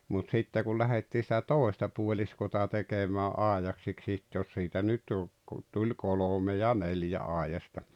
mutta sitten kun lähdettiin sitä toista puoliskoa tekemään aidaksi sitten jos siitä nyt jo - tuli kolme ja neljä aidasta